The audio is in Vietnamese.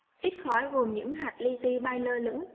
thích hỏi gồm những hạt li ti bay lơ lửng